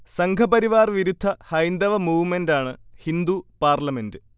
സംഘപരിവാർ വിരുദ്ധ ഹൈന്ദവ മൂവ്മെന്റാണ് ഹിന്ദു പാർലമെന്റ്